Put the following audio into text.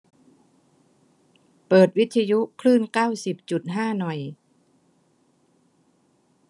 เปิดวิทยุคลื่นเก้าสิบจุดห้าหน่อย